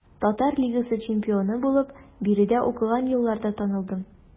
Татар лигасы чемпионы булып биредә укыган елларда танылдым.